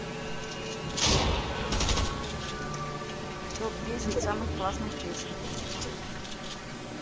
топ десять самых классных песен